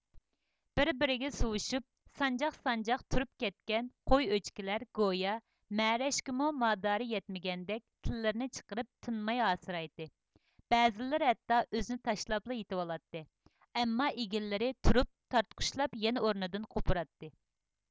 بىر بىرىگە سۇۋۇشۇپ سانجاق سانجاق تۇرۇپ كەتكەن قوي ئۆچكىلەر گويا مەرەشكىمۇ مادارى يەتمىگەندەك تىللىرىنى چىقىرىپ تىنماي ھاسىرايتتى بەزىلىرى ھەتتا ئۆزىنى تاشلاپلا يېتىۋالاتتى ئەمما ئىگلىرى تۇرۇپ تارتقۇشلاپ يەنە ئورنىدىن قوپۇراتتى